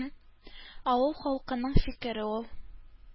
Авыл халкының фикере ул.